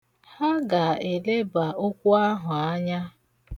Ha ga-eleba okwu ahụ anya.